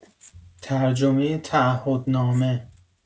ترجمه تعهدنامه